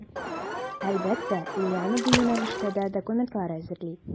Әлбәттә, Лиана бу юнәлештә дә документлар әзерли.